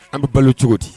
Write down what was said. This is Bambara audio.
An bɛ balo cogo di